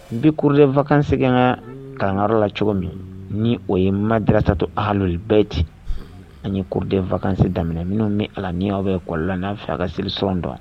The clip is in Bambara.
Bi kurudenfakansɛ ka kanga la cogo min ni o ye madrasa to harlli bɛɛ ten an ye kurudenfakanse daminɛ minnu bɛ ala n y'aw bɛ kɔlɔnla n'a fɛ a ka seli sk dɔn